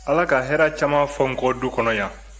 ala ka hɛrɛ caman fɔ n kɔ du kɔnɔ yan